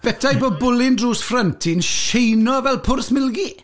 Beta i bod bwlyn drws ffrynt hi'n sheino fel pwrs milgi?